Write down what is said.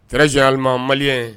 E alima mali ye